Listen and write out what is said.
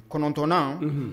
Kɔnɔntɔnnan